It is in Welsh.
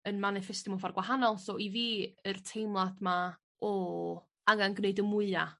yn maniffestio mewn ffor gwahanol so i fi yr teimlad 'ma o angan gneud y mwya